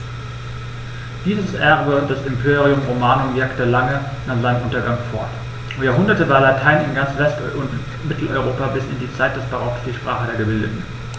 Dieses Erbe des Imperium Romanum wirkte lange nach seinem Untergang fort: Über Jahrhunderte war Latein in ganz West- und Mitteleuropa bis in die Zeit des Barock die Sprache der Gebildeten.